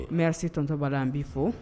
Mɛ se tɔtɔba an b'i fo